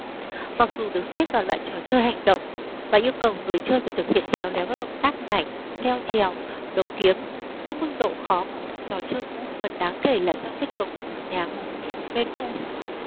mặc dù được xếp vào loại trò chơi hành động và yêu cầu người chơi phải thực hiện khéo léo các động tác nhảy leo trèo đấu kiếm nhưng mức độ khó của trò chơi cũng một phần đáng kể là do kết cấu của một nhà ngục như một mê cung